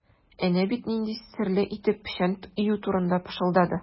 Әнә бит нинди серле итеп печән өю турында пышылдады.